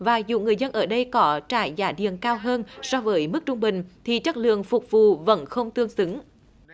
và dù người dân ở đây có trả giá điện cao hơn so với mức trung bình thì chất lượng phục vụ vẫn không tương xứng